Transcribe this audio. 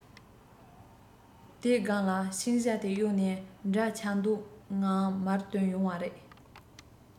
དེའི སྒང ལ ཕྱིང ཞྭ དེ གཡོག ནས འདྲ ཆགས མདོག ངང མར དོན ཡོང བ རེད